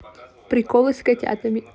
приколы с котятами